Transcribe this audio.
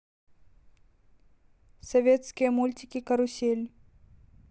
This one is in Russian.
советские мультики карусель